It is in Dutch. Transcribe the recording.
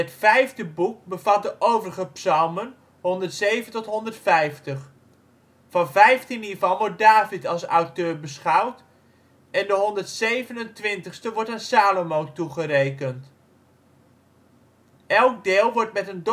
vijfde boek bevat de overige psalmen (107 – 150). Van 15 hiervan wordt David als auteur beschouwd, en de 127e wordt aan Salomo toegerekend. Elk deel wordt met een doxologie